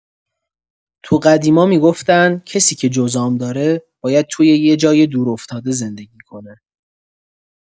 تو قدیما می‌گفتن کسی که جذام داره، باید توی یه جای دورافتاده زندگی کنه.